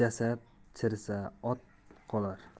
jasad chirisa ot qolar